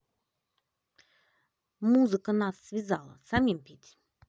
музыка нас связала самим петь